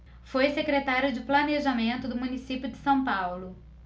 foi secretário de planejamento do município de são paulo